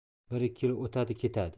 bir ikki yil o'tadi ketadi